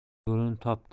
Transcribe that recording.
u yo'lini topdi